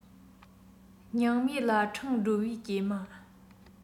སྙིང མེད ལ འཕྲང སྒྲོལ བའི སྐྱེལ མ